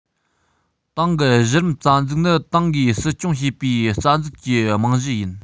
ཏང གི གཞི རིམ རྩ འཛུགས ནི ཏང གིས སྲིད སྐྱོང བྱེད པའི རྩ འཛུགས ཀྱི རྨང གཞི ཡིན